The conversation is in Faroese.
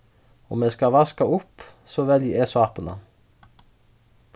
um eg skal vaska upp so velji eg sápuna